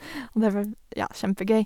Og det var, ja, kjempegøy.